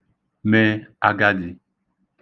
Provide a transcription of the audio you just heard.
mē agadī